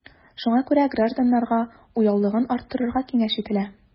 Шуңа күрә гражданнарга уяулыгын арттырыга киңәш ителә.